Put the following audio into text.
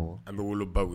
An bɛ wolobaw